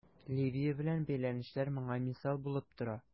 Либия белән бәйләнешләр моңа мисал булып тора.